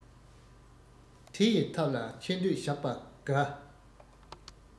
དེ ཡི ཐབས ལ ཆེ འདོད བཞག པ དགའ